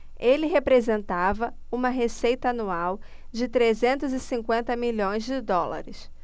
ele representava uma receita anual de trezentos e cinquenta milhões de dólares